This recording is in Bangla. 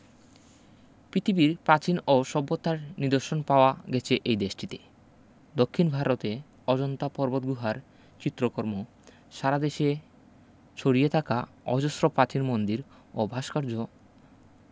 পিতিবীর প্রাচীন ও সভ্যতার নিদর্শন পাওয়া গেছে এ দেশটিতে দক্ষিন ভারতে অজন্তা পর্বতগুহার চিত্রকর্ম সারা দেশে ছড়িয়ে থাকা অজস্র পাচীন মন্দির ও ভাস্কর্য